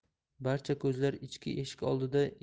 barcha ko'zlar ichki eshik oldida